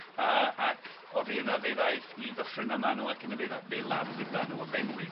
Yy ac oddi yna fe ddaeth i ddyffryn y Manw ac yna fe dda- fe laddwyd Banw y Benwig.